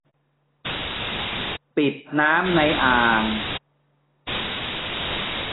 ปิดน้ำในอ่าง